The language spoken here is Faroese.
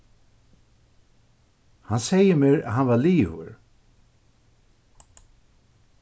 hann segði mær at hann var liðugur